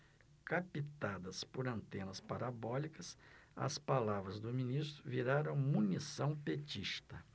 captadas por antenas parabólicas as palavras do ministro viraram munição petista